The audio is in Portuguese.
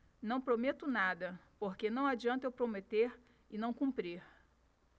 não prometo nada porque não adianta eu prometer e não cumprir